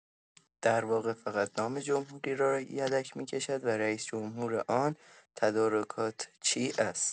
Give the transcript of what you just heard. در واقع فقط نام جمهوری را یدک می‌کشد و رئیس‌جمهور آن تدارکات چی است.